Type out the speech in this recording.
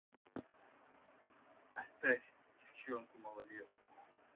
оставь девчонку малолетку